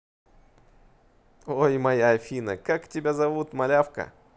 ой моя афина как тебя зовут малявка